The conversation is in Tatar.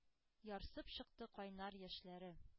Ярсып чыкты кайнар яшьләре.